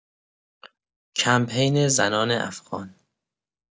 کمپین زنان افغان